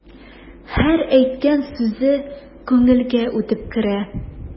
Һәр әйткән сүзе күңелгә үтеп керә.